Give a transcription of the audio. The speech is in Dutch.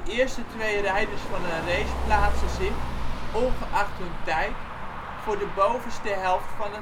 eerste twee rijders van een race plaatsen zich, ongeacht hun tijd, voor de bovenste helft van het